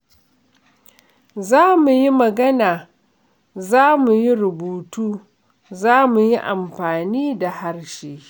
Za mu yi magana, za mu yi rubutu, za mu yi amfani da harshe.